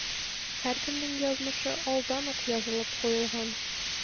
Һәркемнең язмышы алдан ук язылып куелган.